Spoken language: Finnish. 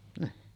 niin